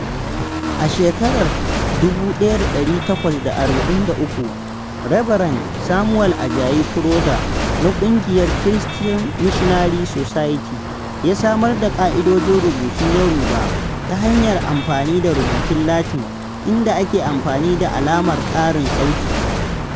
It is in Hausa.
A shekarar 1843, Rabaren Samuel Àjàyí Crowther na ƙungiyar Christian Missionary Society ya samar da ƙa'idojin rubutun Yoruba ta hanyar amfani da rubutun Latin, inda ake amfani da alamar karin sauti.